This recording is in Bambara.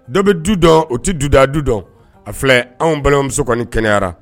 Dɔ bɛ du dɔn u tɛ duda du dɔn a filɛ anw balimamuso kɔni kɛnɛyara